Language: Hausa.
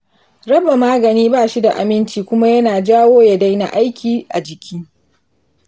raba magani bashi da aminci kuma yana jawo ya daina aiki a jiki.